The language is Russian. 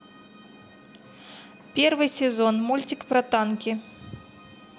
первый сезон мультик про танки